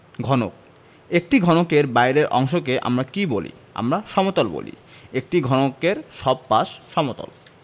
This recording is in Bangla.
ঘনকঃ একটি ঘনকের বাইরের অংশকে আমরা কী বলি আমরা সমতল বলি একটি ঘনকের সব পাশ সমতল